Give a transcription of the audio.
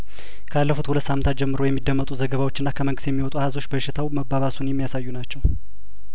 ካለፉት ሁለት ሳምንታት ጀምሮ የሚደመጡ ዘገባዎችና ከመንግስት የሚወጡ አሀዞች በሽታው መባባሱን የሚያሳዩ ናቸው